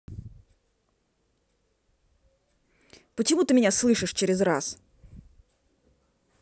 почему ты меня слышишь через раз